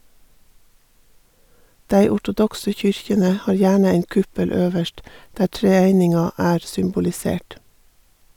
Dei ortodokse kyrkjene har gjerne ein kuppel øverst, der treeininga er symbolisert.